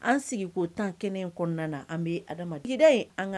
An sigi ko 10 kɛnɛ in kɔnɔna an bɛ adama damada jideye an ka.